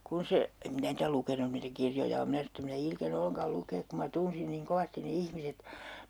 kun se en minä niitä lukenut niitä kirjoja ole minä sanoin että en minä ilkene ollenkaan lukea kun minä tunsin niin kovasti ne ihmiset